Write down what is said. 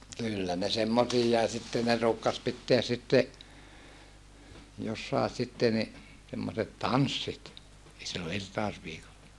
kyllä ne semmoisiakin sitten ne ruukasi pitää sitten jossakin sitten niin semmoiset tanssit silloin irtausviikolla